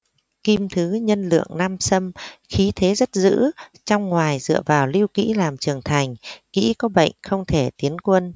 kim thứ nhân lượng nam xâm khí thế rất dữ trong ngoài dựa vào lưu kĩ làm trường thành kĩ có bệnh không thể tiến quân